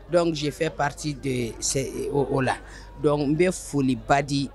Donc je fais partir de ces o o la donc n bɛ foli ba di